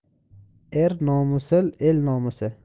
er nomusi el nomusi